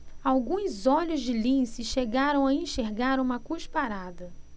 alguns olhos de lince chegaram a enxergar uma cusparada